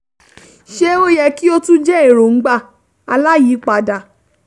Ṣé ó yẹ kí ó tún jẹ́ èròńgbà, aláyìípadà?